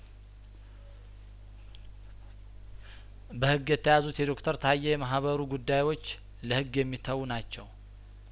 በህግ የተያዙት የዶክተር ታዬ የማህበሩ ጉዳዮች ለህግ የሚተዉ ናቸው